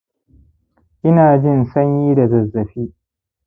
inajin sanyi da zazzafi